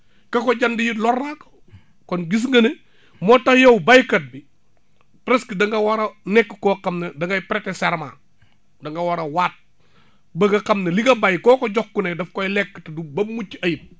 ka ko jënd it lor naa ko kon gis nga ne moo tax yow baykat bi presque da nga war a nekk koo xam ne da ngay preter serment da nga war a waat ba nga xam ne li nga bay koo ko jox ku ne daf koy lekk te du ba mu mucc ayib